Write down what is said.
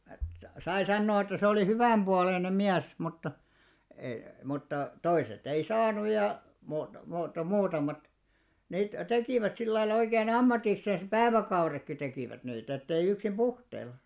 sai sanoa että se oli hyvänpuoleinen mies mutta - mutta toiset ei saanut ja -- muutamat niitä tekivät sillä lailla oikein ammatiksensa päiväkaudetkin tekivät niitä että ei yksin puhteilla